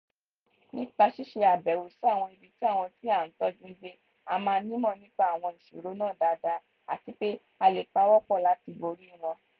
Nípa ṣíṣe àbẹ̀wò sí àwọn ibi tí àwọn tí à ń tọ́jú ń gbé a máa nímọ̀ nípa àwọn ìṣòro náà daada, àti pé a le pawọ́ pọ̀ láti borí wọn.